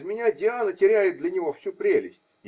Без меня Диана теряет для него всю прелесть.